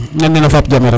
nanene Fap Diamé rek